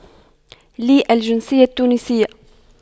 لي الجنسية التونسية